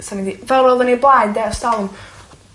sain mynd i... Fel odden ni o' blaen 'de ers dalwm